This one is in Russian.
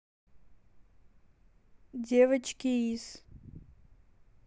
девочки из